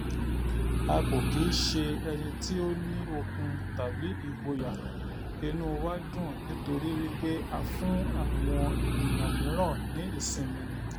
A kò kí ń ṣe ẹni tí ó ní okun tàbí ìgboyà... inúu wa dùn nítorí wípé a fún àwọn ènìyàn mìíràn ní ìmísí ni.